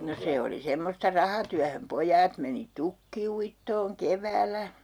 no se oli semmoista rahatyöhön pojat meni tukkiuittoon keväällä